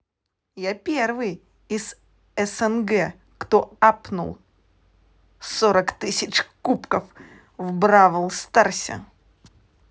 я первый из снг кто апнул сорок тысяч кубков в бравл старсе